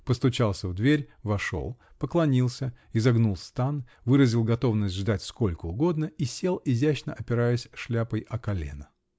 Постучался в дверь, вошел, поклонился, изогнул стан, выразил готовность ждать сколько угодно -- и сел, изящно опираясь шляпой о колено.